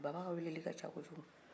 baba ka weleli ka ca kojugu